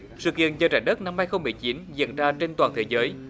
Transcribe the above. sự kiện giờ trái đất năm hai không mười chín diễn ra trên toàn thế giới